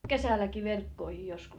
-